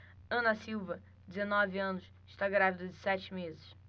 ana silva dezenove anos está grávida de sete meses